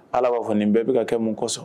Ala b'a fɔ, nin bɛɛ bɛ ka kɛ mun ko sɔn?